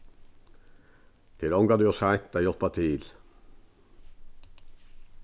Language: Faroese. tað er ongantíð ov seint at hjálpa til